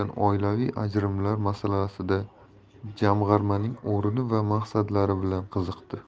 ajrimlar masalasida jamg'armaning o'rni va maqsadlari bilan qiziqdi